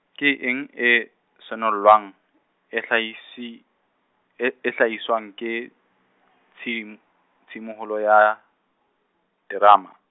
ke eng e senolwang, e hlahisi- e e hlahiswang ke tshim-, tshimoloho ya, terama?